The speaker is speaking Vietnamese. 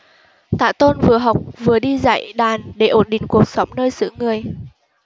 tạ tôn vừa học vừa đi dạy đàn để ổn định cuộc sống nơi xứ người